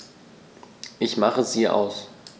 Ich mache sie aus.